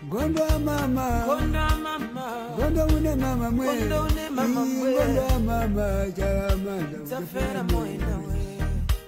Kundi kundenwmumu nimuɛlɛ ma ba jaba saba fɛrɛmu in na